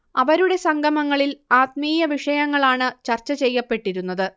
അവരുടെ സംഗമങ്ങളിൽ ആത്മീയവിഷയങ്ങളാണ് ചർച്ചചെയ്യപ്പെട്ടിരുന്നത്